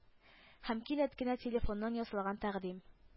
Әм кинәт кенә телефоннан ясалган тәкъдим